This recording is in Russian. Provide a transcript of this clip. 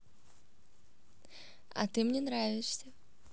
а ты мне нравишься